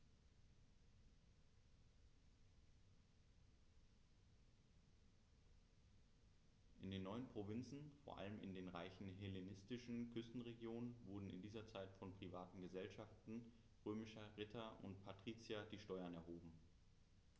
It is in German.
In den neuen Provinzen, vor allem in den reichen hellenistischen Küstenregionen, wurden in dieser Zeit von privaten „Gesellschaften“ römischer Ritter und Patrizier die Steuern erhoben.